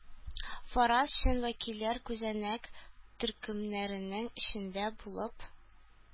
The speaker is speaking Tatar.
Фараз - чын вәкилләр күзәнәк төркемнәренең эчендә булып...